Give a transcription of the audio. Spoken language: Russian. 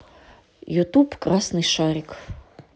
ютуб красный шарик